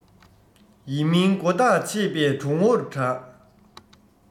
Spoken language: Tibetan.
ཡིན མིན མགོ ལྟག ཕྱེད པས གྲུང བོར གྲགས